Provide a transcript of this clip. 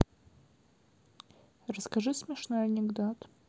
расскажи смешной анекдот